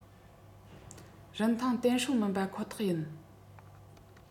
རིན ཐང བརྟན སྲུང མིན པ ཁོ ཐག ཡིན